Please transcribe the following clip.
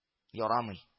Ярамый